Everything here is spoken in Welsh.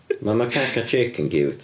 Ma' macaque chick yn ciwt.